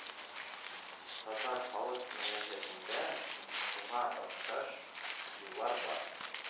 Татар халык мөнәҗәтендә шуңа охшаш юллар бар: